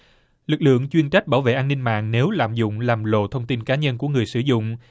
lực lượng chuyên trách bảo vệ an ninh mạng nếu lạm dụng làm lộ thông tin cá nhân của người sử dụng